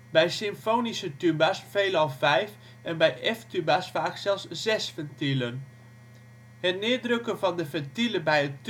bij symfonische tuba 's veelal vijf en bij F tuba 's vaak zelfs zes ventielen. Het neerdrukken van de kleppen / ventielen bij een tuba